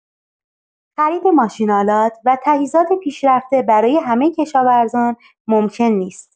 خرید ماشین‌آلات و تجهیزات پیشرفته برای همه کشاورزان ممکن نیست.